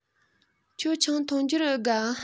ཁྱོད ཆང འཐུང རྒྱུར འུ དགའ